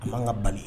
A man ka bali ye